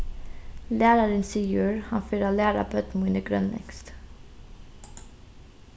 lærarin sigur hann fer at læra børn míni grønlendskt